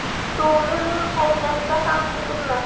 suvni ming qaynatsa ham quyulmas